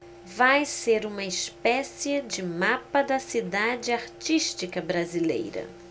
vai ser uma espécie de mapa da cidade artística brasileira